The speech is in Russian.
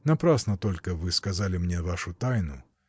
Напрасно только вы сказали мне вашу тайну.